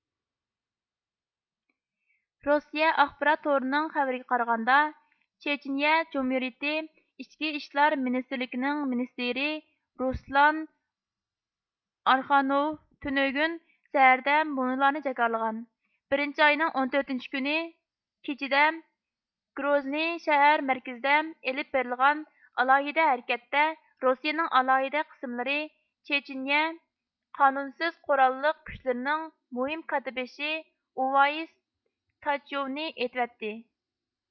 روسىيە ئاخبارات تورىنىڭ خەۋىرىگە قارىغاندا چېچىنىيە جۇمھۇرىيىتى ئىچكى ئىشلار مىنىستىرلىكىنىڭ مىنىستىرى رۇسلان ئارخانوۋ تۈنۈگۈن سەھەردە مۇنۇلارنى جاكارلغان بىرىنچى ئاينىڭ ئون تۆتىنچى كۈنى كېچىدە گروزنىي شەھەر مەركىزىدە ئېلىپ بېرىلغان ئالاھىدە ھەرىكەتتە روسىيىنىڭ ئالاھىدە قىسىملىرى چېچىنىيە قانۇنسىز قوراللىق كۈچلىرىنىڭ مۇھىم كاتتىبېشى ئۇۋايس تاچيوۋنى ئېتىۋەتتى